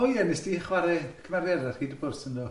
O ie, wnes di chwarae cymeriad ar Hyd y Pwrs yndo?